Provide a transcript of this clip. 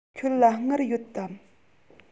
ཁྱོད ལ དངུལ ཡོད དམ